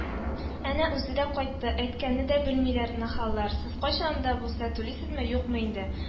Әнә үзе дә кайтты. - Әйткәнне дә белмиләр, нахаллар! Сез кайчан да булса түлисезме, юкмы инде